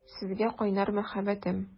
Сезгә кайнар мәхәббәтем!